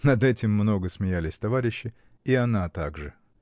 Над этим много смеялись товарищи, и она также.